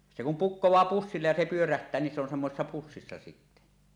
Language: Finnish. se kun pukkaa pussille ja se pyörähtää niin se on semmoisessa pussissa sitten